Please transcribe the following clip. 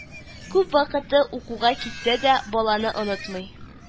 Күп вакыты укуга китсә дә, баланы онытмый